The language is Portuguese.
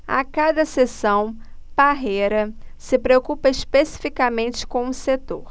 a cada sessão parreira se preocupa especificamente com um setor